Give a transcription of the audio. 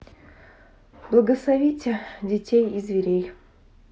благословите детей и зверей